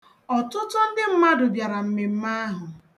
Ọtụtụ ndị mmadụ bịara mmemme ahụ.